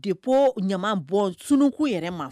De ko ɲama bɔ sunkun yɛrɛ ma